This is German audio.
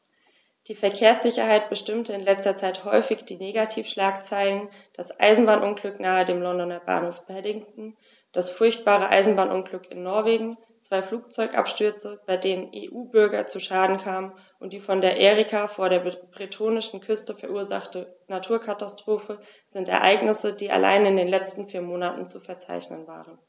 Die Verkehrssicherheit bestimmte in letzter Zeit häufig die Negativschlagzeilen: Das Eisenbahnunglück nahe dem Londoner Bahnhof Paddington, das furchtbare Eisenbahnunglück in Norwegen, zwei Flugzeugabstürze, bei denen EU-Bürger zu Schaden kamen, und die von der Erika vor der bretonischen Küste verursachte Naturkatastrophe sind Ereignisse, die allein in den letzten vier Monaten zu verzeichnen waren.